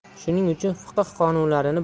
shuning uchun fiqh qonunlarini